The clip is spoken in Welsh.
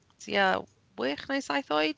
Tua wech neu saith oed.